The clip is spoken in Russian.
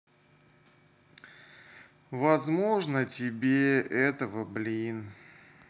возможно тебе этого блин